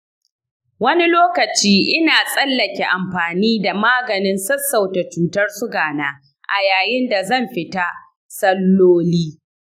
wani lokacin ina tsallake amfani da maganin sassauta cutar sugana a yayin da zan fita salloli.